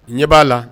I ɲɛ b'a la.